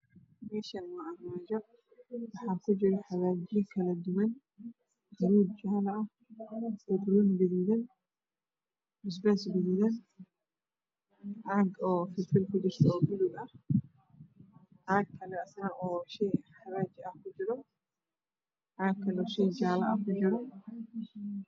Meeshaan waa armaajo waxaa kujiro xawaajiyo kale duwan banbanooni jaalo ah iyo banbanooni gaduudan basbaas gaduudan caag filfil kujirto oo madow ah. Caag xawaaji kujiro iyo caag shay jaala kujiro.